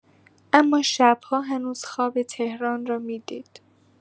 اما شب‌ها هنوز خواب تهران را می‌دید.